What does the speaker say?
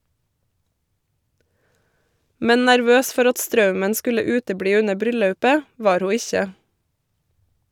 Men nervøs for at straumen skulle utebli under bryllaupet , var ho ikkje.